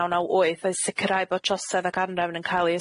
naw naw wyth oedd sicirau bod trosedd ac anrefn yn ca'l 'u